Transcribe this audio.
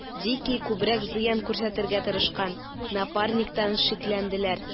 Дикий күбрәк зыян күрсәтергә тырышкан Напарниктан шикләнделәр.